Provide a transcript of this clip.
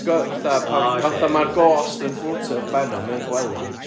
Ti'n gwbod? Fatha pan- ...oce... pan fatha ma'r ghost fflotio uwchben o mewn gwely